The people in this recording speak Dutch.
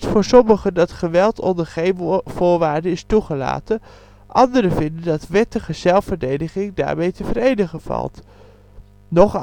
voor sommigen dat geweld onder geen voorwaarde is toegelaten, anderen vinden dat wettige zelfverdediging daarmee te verenigen valt, nog